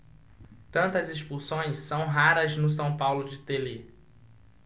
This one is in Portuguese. tantas expulsões são raras no são paulo de telê